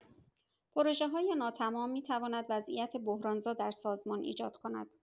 پروژه‌های ناتمام می‌تواند وضعیت بحران‌زا در سازمان ایجاد کند.